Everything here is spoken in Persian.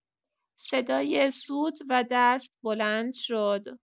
صدای سوت و دست بلند شد.